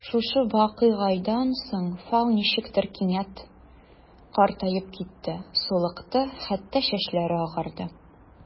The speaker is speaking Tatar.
Шушы вакыйгадан соң Фау ничектер кинәт картаеп китте: сулыкты, хәтта чәчләре агарды.